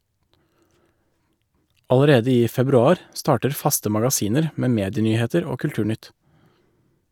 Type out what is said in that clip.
Allerede i februar starter faste magasiner med medienyheter og kulturnytt.